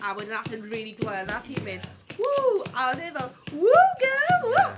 A wedyn aeth e'n rili glou a wnaeth hi mynd "ww" a oedd e fel "woah girl!"